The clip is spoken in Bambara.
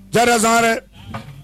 Tɛ zan yɛrɛ